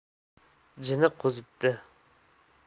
jini qo'zibdi